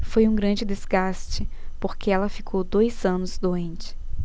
foi um grande desgaste porque ela ficou dois anos doente